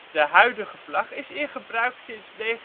De huidige vlag is in gebruik sinds 1978